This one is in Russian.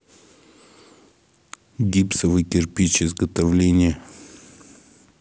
гипсовый кирпич изготовление